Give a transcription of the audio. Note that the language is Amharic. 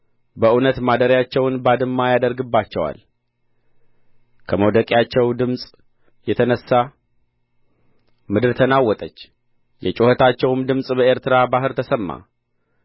በእውነት የመንጋ ትንንሾች ይጐተታሉ በእውነት ማደሪያቸውን ባድማ ያደርግባቸዋል ከመውደቃቸው ድምፅ የተነሣ ምድር ተናወጠች የጩኸታቸውም ድምፅ በኤርትራ ባሕር ተሰማ